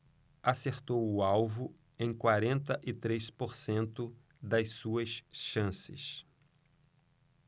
acertou o alvo em quarenta e três por cento das suas chances